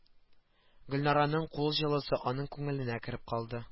Гөлна-раның кул җылысы аның күңеленә кереп калды